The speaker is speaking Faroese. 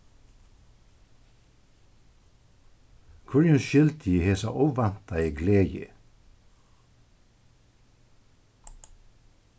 hvørjum skyldi eg hesa óvæntaðu gleði